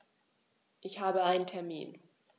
Ich habe einen Termin.